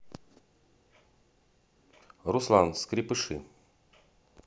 руслан скрепыши